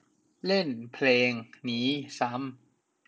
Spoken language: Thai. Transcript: เล่นเพลงนี้ซ้ำ